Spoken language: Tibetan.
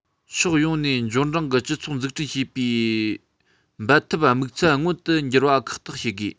ཕྱོགས ཡོངས ནས འབྱོར འབྲིང གི སྤྱི ཚོགས འཛུགས སྐྲུན བྱེད པའི འབད འཐབ དམིགས ཚད མངོན དུ འགྱུར བར ཁག ཐེག བྱེད དགོས